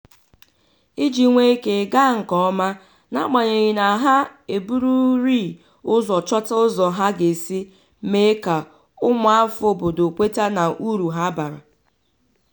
Iji nwee ike gaa nkeọma, na-agbanyeghị, ha ga-eburiri ụzọ chọta ụzọ ha ga-esi mee ka ụmụafọ obodo kweta n'uru ha bara.